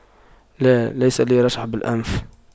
لا ليس لي رشح بالأنف